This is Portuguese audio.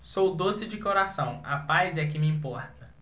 sou doce de coração a paz é que me importa